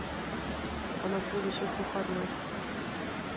а на следующих выходных